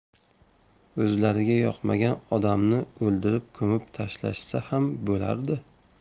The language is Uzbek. o'zlariga yoqmagan odamni o'ldirib ko'mib tashlashsa ham bo'lardi